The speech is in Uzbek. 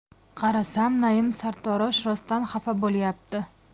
qarasam naim sartarosh rostdan xafa bo'lyapti